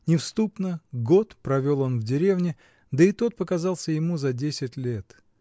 невступно год провел он в деревне, да и тот показался ему за десять лет.